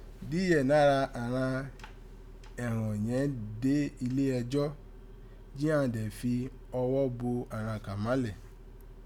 Díyẹ̀ nara àghan ẹ̀họ̀n yẹn de ule ẹjọ́, jí án dẹ̀ fi ọwọ bò àghan kàn málẹ̀.